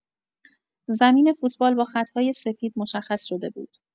زمین فوتبال با خط‌های سفید مشخص شده بود.